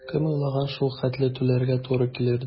Кем уйлаган шул хәтле түләргә туры килер дип?